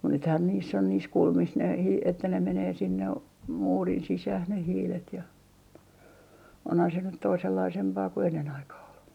mutta nythän niissä on niissä kulmissa ne - että ne menee sinne muurin sisään ne hiilet ja onhan se nyt toisenlaisempaa kuin ennen aikaan oli